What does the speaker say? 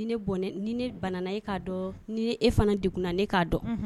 Ni ne bɔn ni ni bana e k'a dɔn ni e fana degkun ne k'a dɔn